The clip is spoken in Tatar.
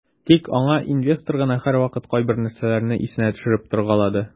Тик аңа инвестор гына һәрвакыт кайбер нәрсәләрне исенә төшереп торгалады.